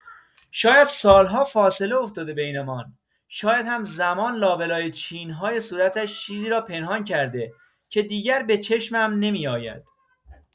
شاید سال‌ها فاصله افتاده بینمان، شاید هم‌زمان لابه‌لای چین‌های صورتش چیزی را پنهان کرده که دیگر به چشمم نمی‌آید.